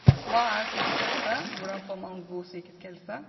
Hva er psykisk helse, hvordan får man god psykisk helse.